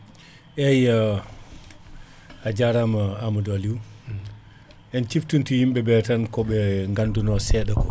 eyyi ajaarama Amadou Aliou en ciftintu yimɓeɓe kooɓe ganduno seeɗa ko